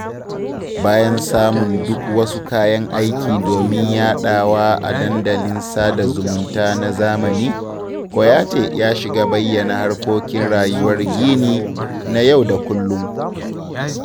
Bayan samun duk wasu kayan aiki domin yaɗawa a dandalin sada zumunta na zamani, Kouyaté ya shiga bayyana harkokin rayuwar Guinea na yau da kullum.